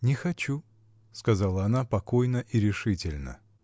— Не хочу, — сказала она покойно и решительно.